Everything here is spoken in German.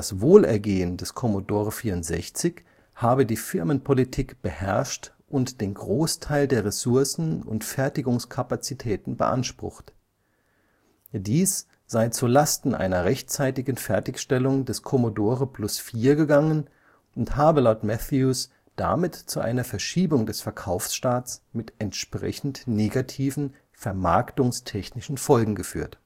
Wohlergehen des Commodore 64 habe die Firmenpolitik beherrscht und den Großteil der Ressourcen und Fertigungskapazitäten beansprucht. Dies sei zu Lasten einer rechtzeitigen Fertigstellung des Commodore Plus/4 gegangen und habe laut Matthews damit zu einer Verschiebung des Verkaufsstarts mit entsprechend negativen vermarktungstechnischen Folgen geführt